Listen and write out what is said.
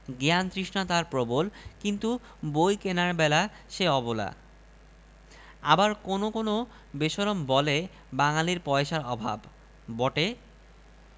এদিকে হেকিম আপন মৃত্যুর জন্য তৈরি ছিলেন বলে প্রতিশোধের ব্যবস্থাও করে গিয়েছিলেন তিনি পাতায় পাতায় কোণের দিকে মাখিয়ে রেখেছিলেন মারাত্মক বিষ